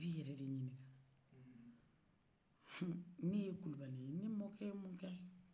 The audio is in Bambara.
i b'i yɛrɛ de ɲinigan ne ye kulibaliye ne mɔkɛ ye mukɛ